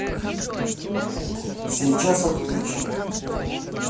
сейчас отключи